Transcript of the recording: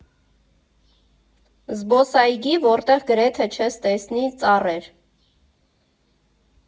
Զբոսայգի, որտեղ գրեթե չես տեսնի ծառեր։